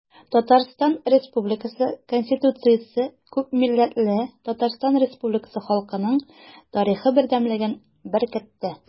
Татарстан Республикасы Конституциясе күпмилләтле Татарстан Республикасы халкының тарихы бердәмлеген беркетте.